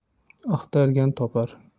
bir qiz erga tegsa qirq qiz tush ko'rar